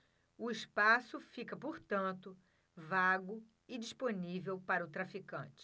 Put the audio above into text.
o espaço fica portanto vago e disponível para o traficante